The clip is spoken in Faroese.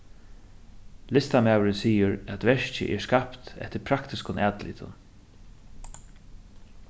listamaðurin sigur at verkið er skapt eftir praktiskum atlitum